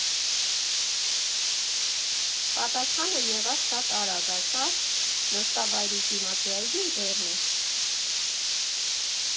Պատասխանը եղավ շատ արագ, ասաց՝ նստավայրիս դիմացի այգին ձերն է։